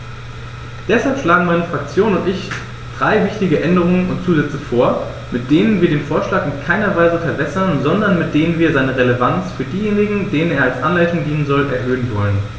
Deshalb schlagen meine Fraktion und ich drei wichtige Änderungen und Zusätze vor, mit denen wir den Vorschlag in keiner Weise verwässern, sondern mit denen wir seine Relevanz für diejenigen, denen er als Anleitung dienen soll, erhöhen wollen.